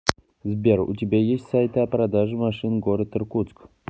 сбер у тебя есть сайты о продажах машин город иркутск